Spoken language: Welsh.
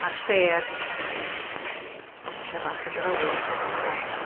A'r sêr yn sbotiau bach yn yr awyr... yn berlau bach.